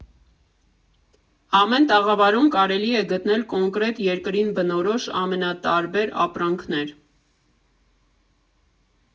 Ամեն տաղավարում կարելի է գտնել կոնկրետ երկրին բնորոշ ամենատարբեր ապրանքներ։